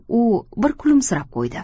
u bir kulimsirab qo'ydi